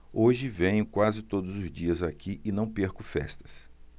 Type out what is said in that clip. hoje venho quase todos os dias aqui e não perco festas